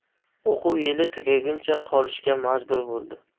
o'quv yili tugaguncha qolishga majbur bo'ldi